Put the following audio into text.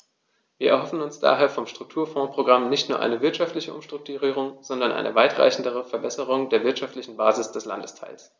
Wir erhoffen uns daher vom Strukturfondsprogramm nicht nur eine wirtschaftliche Umstrukturierung, sondern eine weitreichendere Verbesserung der wirtschaftlichen Basis des Landesteils.